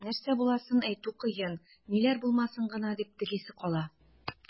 Нәрсә буласын әйтү кыен, ниләр булмасын гына дип телисе кала.